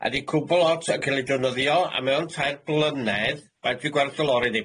Adi cwbwl lot yn ca'l i defnyddio a mae o'n tair blynedd faint fi gwerth y lorri ddi.